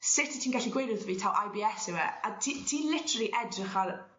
sut 'yt ti'n gallu gweud wrtho fi taw Eye Bee Ess yw e a ti ti literally edrych ar